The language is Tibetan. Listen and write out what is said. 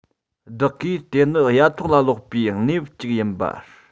བདག གིས དེ ནི ཡ ཐོག ལ ལོག པའི གནས བབ ཅིག ཡིན པར